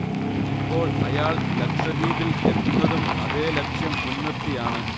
ഇപ്പോൾ അയാൾ ലക്ഷദ്വീപിൽ എത്തുന്നതും അതേ ലക്ഷ്യം മൂൻനിർത്തിയാണ്